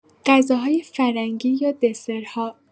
غذاهای فرنگی یا دسرها